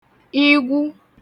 igwu